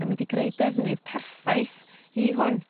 yn mynd i greu defnydd perffaith i hwn.